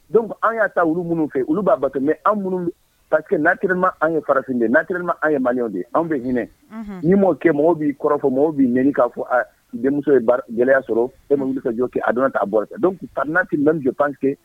Don an y'a taa wu minnu fɛ olu b'a ba mɛ anw pake nre an ye farafin de ye'rema an ye man de anw bɛ hinɛ ni mɔ kɛ mɔgɔw b'i kɔrɔfɔ fɔ mɔgɔw b'i ɲiniani k'a fɔ denmuso ye gɛlɛyaya sɔrɔ e ma bɛ kajɔ kɛ a donna t'a bɔ pa'ti bɛ pantite